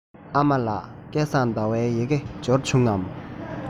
ཨ མ ལགས སྐལ བཟང ཟླ བའི ཡི གེ འབྱོར བྱུང ངམ